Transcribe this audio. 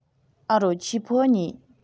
ཨ རོ ཁྱོས ཕིའོ ཨེ ཉོས